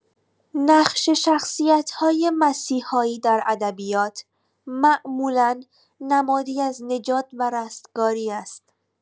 نقش شخصیت‌های مسیحایی در ادبیات، معمولا نمادی از نجات و رستگاری است.